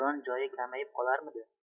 biron joyi kamayib qolarmidi